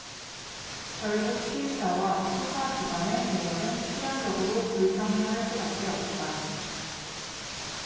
결국 피의자와 수사기관의 대결은 필연적으로 불평등할 수밖에 없다